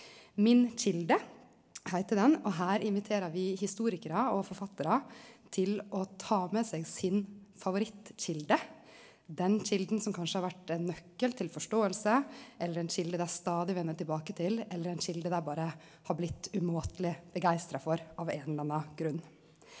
Min kilde heiter den og her inviterer vi historikarar og forfattarar til å ta med seg sin favorittkjelde, den kjelda som kanskje har vore ein nøkkel til forståing, eller ein kjelde dei stadig vender tilbake til, eller ein kjelde dei berre har blitt umåteleg begeistra for av ein eller anna grunn.